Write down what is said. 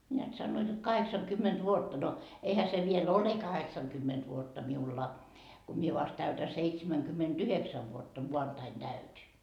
näet sanoivat jotta kahdeksankymmentä vuotta no eihän se vielä ole kahdeksankymmentä vuotta minulla kun minä vasta täytän seitsemänkymmentäyhdeksän vuotta maanantaina täytin